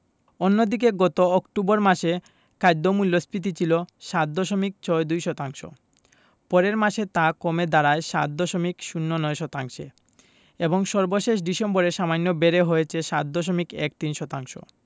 অন্যদিকে গত অক্টোবর মাসে খাদ্য মূল্যস্ফীতি ছিল ৭ দশমিক ৬২ শতাংশ পরের মাসে তা কমে দাঁড়ায় ৭ দশমিক ০৯ শতাংশে এবং সর্বশেষ ডিসেম্বরে সামান্য বেড়ে হয়েছে ৭ দশমিক ১৩ শতাংশ